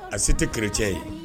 A si ti keretiɲɛ ye